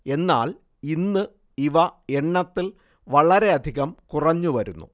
എന്നാൽ ഇന്ന് ഇവ എണ്ണത്തിൽ വളരെയധികം കുറഞ്ഞു വരുന്നു